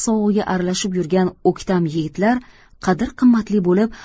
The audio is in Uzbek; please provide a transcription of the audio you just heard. sovug'iga aralashib yurgan o'ktam yigitlar qadr qimmatli bo'lib